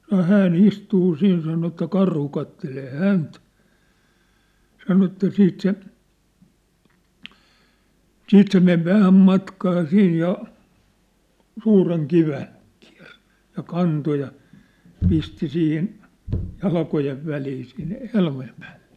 sanoi hän istuu siinä sanoi että karhu katselee häntä sanoi että sitten se sitten se meni vähän matkaa siinä ja suuren kiven kiersi ja kanto ja pisti siihen jalkojen väliin siinä helmojen päälle